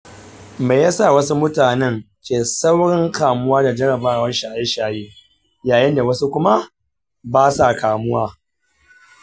me ya sa wasu mutanen ke saurin kamuwa da jarabar shaye-shaye yayin da wasu kuma ba sa kamuwa?